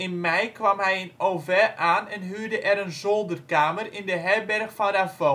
mei kwam hij in Auvers aan en huurde er een zolderkamer in de herberg van Ravoux